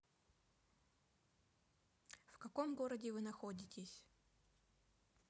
в каком городе вы находитесь